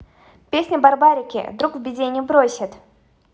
песня барбарики друг в беде не бросит